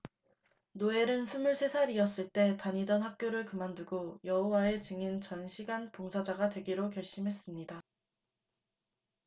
노엘은 스물세 살이었을 때 다니던 학교를 그만두고 여호와의 증인 전 시간 봉사자가 되기로 결심했습니다